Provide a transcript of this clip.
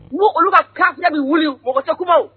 Ni olu ka kafiriya bɛ wuli, mɔgɔ tɛ kuma wo